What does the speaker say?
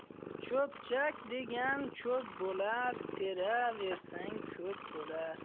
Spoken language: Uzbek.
cho'pchak degan cho'p bo'lar teraversang ko'p bo'lar